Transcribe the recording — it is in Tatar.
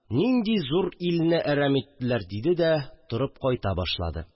Нинди зурилне әрәм иттеләр!» – диде дә, торып кайта башлады